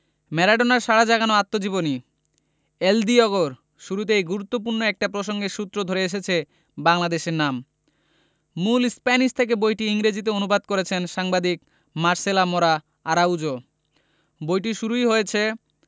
ম্যারাডোনার সাড়া জাগানো আত্মজীবনী এল ডিয়েগো র শুরুতেই গুরুত্বপূর্ণ একটা প্রসঙ্গের সূত্র ধরে এসেছে বাংলাদেশের নাম মূল স্প্যানিশ থেকে বইটি ইংরেজিতে অনু্বাদ করেছেন সাংবাদিক মার্সেলা মোরা আরাউজো বইটি শুরুই হয়েছে